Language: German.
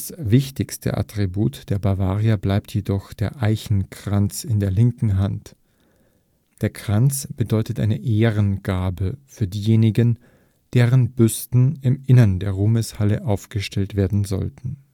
wichtigste Attribut der Bavaria bleibt jedoch der Eichenkranz in ihrer linken Hand. Der Kranz bedeutet eine Ehrengabe für diejenigen, deren Büsten im Inneren der Ruhmeshalle aufgestellt werden sollten